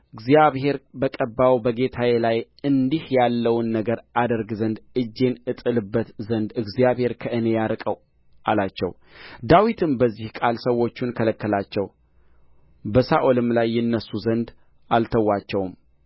እግዚአብሔር በቀባው በጌታዬ ላይ እንዲህ ያለውን ነገር አደርግ ዘንድ እጄንም እጥልበት ዘንድ እግዚአብሔር ከእኔ ያርቀው አላቸው ዳዊትም በዚህ ቃል ሰዎቹን ከለከላቸው በሳኦልም ላይ ይነሡ ዘንድ አልተዋቸውም